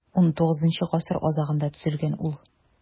XIX гасыр азагында төзелгән ул.